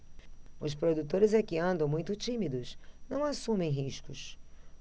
os produtores é que andam muito tímidos não assumem riscos